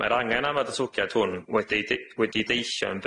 Mae'r angen am y datbygiad hwn wedi de- wedi deillio'n